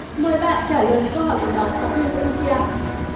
mời bạn trả lời một câu hỏi của nhóm phóng viên ô lim pi a